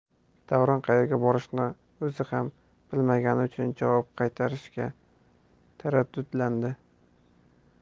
davron qaerga borishini o'zi ham bilmagani uchun javob qaytarishga taraddudlandi